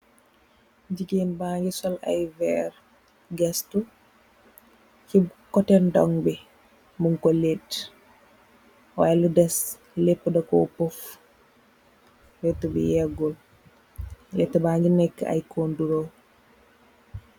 Jegueen bange sol aye werr di gestou ci kotteh ndonbi moung ko lettou waye lou des leppou daco pos lettou bi yeggul letou bangi neh kondoroll